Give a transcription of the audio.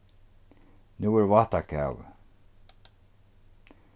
nú er vátakavi